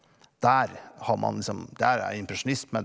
der har man liksom der er impresjonismen.